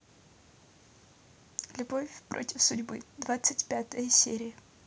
любовь против судьбы двадцать пятая серия